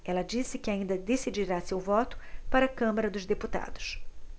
ela disse que ainda decidirá seu voto para a câmara dos deputados